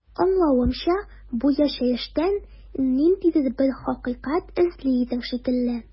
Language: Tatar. Аңлавымча, бу яшәештән ниндидер бер хакыйкать эзли идең шикелле.